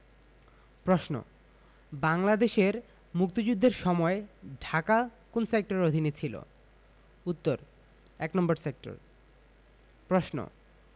প্রশ্ন বাংলাদেশের মুক্তিযুদ্ধের সময় ঢাকা কোন সেক্টরের অধীনে ছিলো উত্তর ১ নম্বর সেক্টর প্রশ্ন